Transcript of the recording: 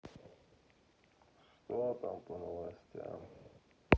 что там по новостям